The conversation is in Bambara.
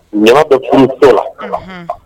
Ɲɔ bɛ furu tɛ la